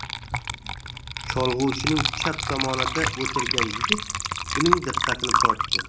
cholg'uvchining chap tomonida o'tirgan yigit uning diqqatini tortdi